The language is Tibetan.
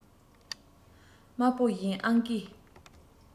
དམར པོ བཞིན ཨང ཀིས